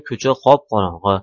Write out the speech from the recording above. ko'cha qop qorong'u